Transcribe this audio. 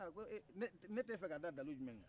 aa ko ne t'e fɛ k'a da dalilu jumɛn kan